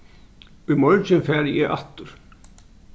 í morgin fari eg aftur